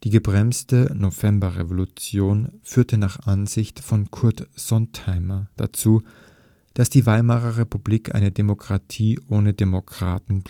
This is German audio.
gebremste Novemberrevolution führte nach Ansicht von Kurt Sontheimer dazu, dass die Weimarer Republik eine „ Demokratie ohne Demokraten